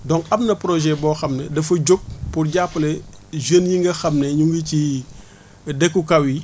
donc am na projet boo xam ne dafa jóg pour jàppale jeunes yi nga xam ne ñu ngi ci dëkku kaw yi